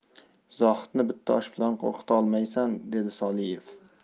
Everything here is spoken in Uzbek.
zohidni bitta osh bilan qo'rqita olmaysan dedi soliev